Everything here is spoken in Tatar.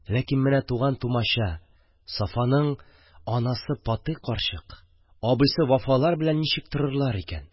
Ләкин менә туган-тумача – Сафаның анасы Патый карчык, абыйсы Вафалар белән ничек торырлар икән?